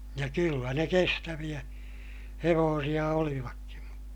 ja kyllä ne kestäviä hevosia olivatkin